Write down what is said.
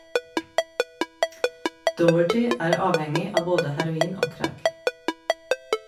Doherty er avhengig av både heroin og crack.